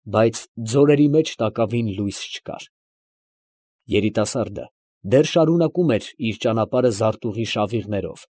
Բայց ձորերի մեջ տակավին լույս չկար։ Երիտասարդը դեռ շարունակում էր իր ճանապարհը զարտուղի շավիղներով։